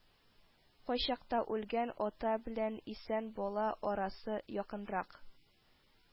* кайчакта үлгән ата белән исән бала арасы якынрак